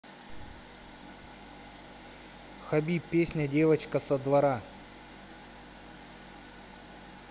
хабиб песня девочка со двора